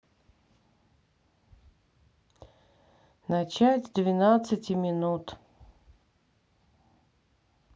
начать с двенадцати минут